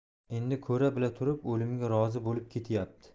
endi ko'ra bila turib o'limga rozi bo'lib ketyapti